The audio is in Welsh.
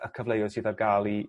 y cyfleuoedd sydd ar ga'l i